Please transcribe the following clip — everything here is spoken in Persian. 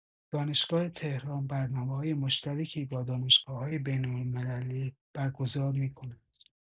دانشگاه تهران برنامه‌‌های مشترکی با دانشگاه‌‌های بین‌المللی برگزار می‌کند.